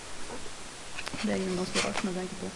Det er i grunnen ganske rart når du tenker på...